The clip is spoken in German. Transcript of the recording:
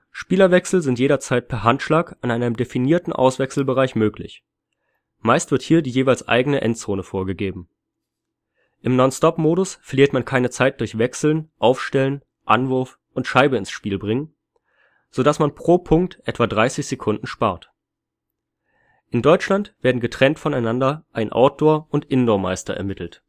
Spielerwechsel sind jederzeit per Handschlag an einem definierten Auswechselbereich möglich, meist wird hier die jeweils eigene Endzone vorgegeben. Im Nonstop-Modus verliert man keine Zeit durch Wechseln, Aufstellen, Anwurf und Scheibe ins Spiel bringen, so dass man pro Punkt etwa 30 Sekunden spart. In Deutschland werden getrennt voneinander ein Outdoor - und Indoormeister ermittelt